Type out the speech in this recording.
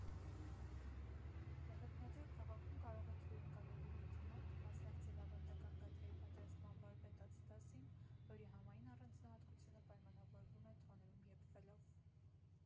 Եղեգնաձոր քաղաքում կարող եք հյուրընկալվել Լիլիթի մոտ, մասնակցել ավանդական գաթայի պատրաստման վարպետաց դասին, որի համային առանձնահատկությունը պայմանավորվում է թոնրում եփվելով։